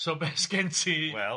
So be sgen ti i ni... Wel.